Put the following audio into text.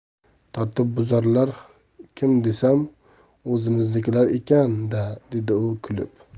tartibbuzarlar kim desam o'zimiznikilar ekan da dedi u kulib